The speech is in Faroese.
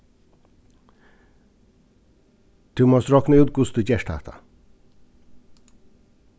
tú mást rokna út hvussu tú gert hatta